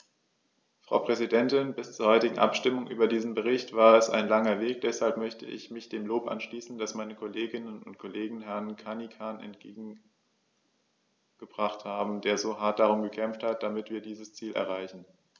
Frau Präsidentin, bis zur heutigen Abstimmung über diesen Bericht war es ein langer Weg, deshalb möchte ich mich dem Lob anschließen, das meine Kolleginnen und Kollegen Herrn Cancian entgegengebracht haben, der so hart darum gekämpft hat, damit wir dieses Ziel erreichen.